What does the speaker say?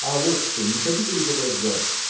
— А вот что: не хотите ли подождать?